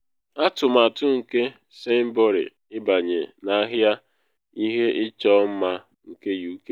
Atụmatụ nke Sainbury ịbanye n’ahịa ihe ịchọ mma nke UK